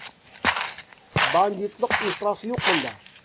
Бандитлык оештырасы юк монда!